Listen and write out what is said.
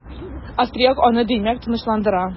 Австрияк аны димәк, тынычландыра.